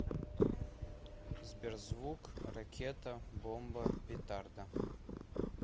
сберзвук ракета бомба петарда